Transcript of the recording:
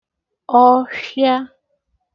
ọfhịa